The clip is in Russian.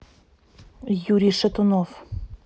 юрий шатунов